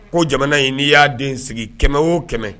Ko jamana in n'i y'a den sigi kɛmɛ wo kɛmɛ